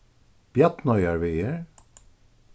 bjarnoyarvegur